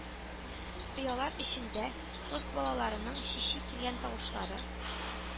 Оялар эчендә кош балаларының “чи-чи” килгән тавышлары